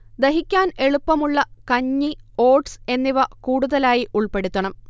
ദഹിക്കാൻ എളുപ്പമുള്ള കഞ്ഞി, ഓട്സ് എന്നിവ കൂടുതലായി ഉൾപ്പെടുത്തണം